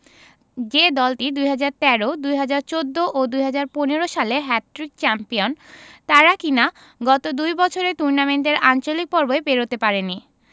যে দলটি ২০১৩ ২০১৪ ও ২০১৫ সালে হ্যাটট্রিক চ্যাম্পিয়ন তারা কিনা গত দুই বছরে টুর্নামেন্টের আঞ্চলিক পর্বই পেরোতে পারেনি